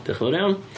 Diolch yn fawr iawn.